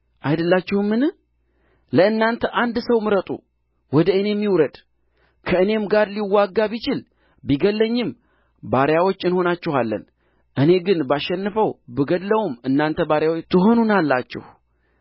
አይደላችሁምን ለእናንተ አንድ ሰው ምረጡ ወደ እኔም ይውረድ ከእኔም ጋር ሊዋጋ ቢችል ቢገድለኝም ባሪያዎች እንሆናችኋለን እኔ ግን ባሸንፈው ብገድለውም እናንተ ባሪያዎች ትሆኑናላችሁ